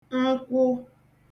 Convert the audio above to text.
nkwụ